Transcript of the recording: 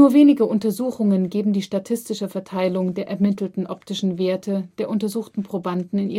wenige Untersuchungen geben die statistische Verteilung der ermittelten optischen Werte der untersuchten Probanden